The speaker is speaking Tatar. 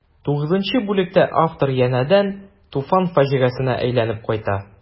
Тугызынчы бүлектә автор янәдән Туфан фаҗигасенә әйләнеп кайта.